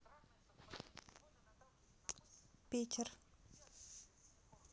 питер